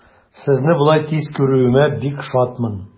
Сезне болай тиз күрүемә бик шатмын.